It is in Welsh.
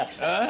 Yy?